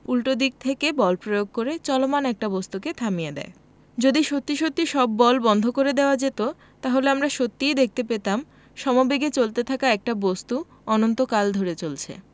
উল্টো দিক থেকে বল প্রয়োগ করে চলমান একটা বস্তুকে থামিয়ে দেয় যদি সত্যি সত্যি সব বল বন্ধ করে দেওয়া যেত তাহলে আমরা সত্যিই দেখতে পেতাম সমবেগে চলতে থাকা একটা বস্তু অনন্তকাল ধরে চলছে